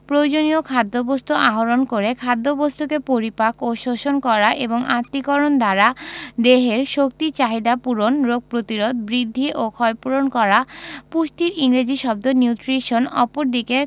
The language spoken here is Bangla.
প্রয়োজনীয় খাদ্যবস্তু আহরণ করে খাদ্যবস্তুকে পরিপাক ও শোষণ করা এবং আত্তীকরণ দ্বারা দেহের শক্তির চাহিদা পূরণ রোগ প্রতিরোধ বৃদ্ধি ও ক্ষয়পূরণ করা পুষ্টির ইংরেজি শব্দ নিউট্রিশন অপরদিকে